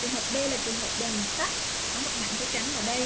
trường hợp b là trường hợp đèn có một mảnh giấy trắng ở đây